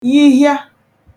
yihịa